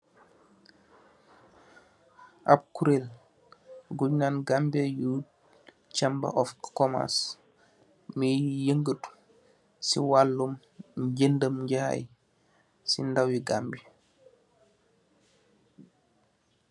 Am kurel buñ nan "Gambia Youth Chamber of commerce" mi yan'nga tu ci lalum njadam jaay si ndawi Gambi.